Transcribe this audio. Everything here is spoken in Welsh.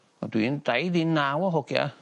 Wel dwi'n daid i naw o hogia.